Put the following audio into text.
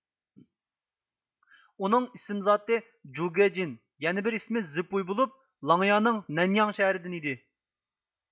ئۇنىڭ ئىسىم زاتى جۇگېجىن يەنە بىر ئىسمى زىپۇي بولۇپ لاڭيانىڭ نەنياڭ شەھىرىدىن ئىدى